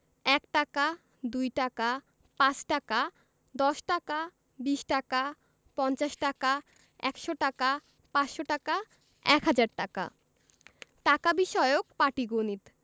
১ টাকা ২ টাকা ৫ টাকা ১০ টাকা ২০ টাকা ৫০ টাকা ১০০ টাকা ৫০০ টাকা ১০০০ টাকা টাকা বিষয়ক পাটিগনিতঃ